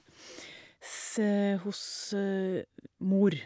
s Hos mor.